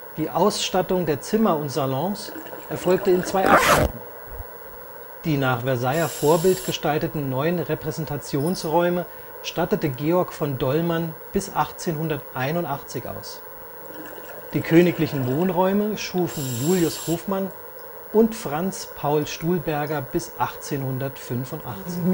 Die Ausstattung der Zimmer und Salons erfolgte in zwei Abschnitten: Die nach Versailler Vorbild gestalteten neun Repräsentationsräume stattete Georg von Dollmann bis 1881 aus, die königlichen Wohnräume schufen Julius Hofmann und Franz Paul Stulberger bis 1885